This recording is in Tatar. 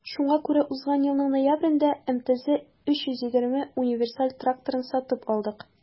Шуңа күрә узган елның ноябрендә МТЗ 320 универсаль тракторын сатып алдык.